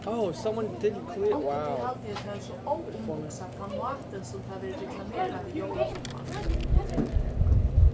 onkuntíð haldi eg tað er so óumhugsað tann mátin sum tað verður reklamerað við jólum uppá